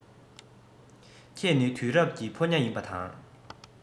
ཁྱེད ནི དུས རབས ཀྱི ཕོ ཉ ཡིན པ དང